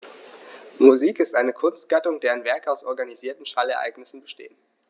Musik ist eine Kunstgattung, deren Werke aus organisierten Schallereignissen bestehen.